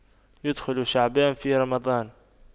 يُدْخِلُ شعبان في رمضان